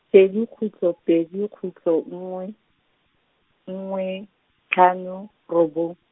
pedi khutlo pedi khutlo nngwe, nngwe, tlhano, robong.